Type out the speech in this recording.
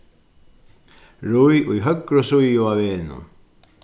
ríð í høgru síðu á vegnum